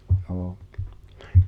joo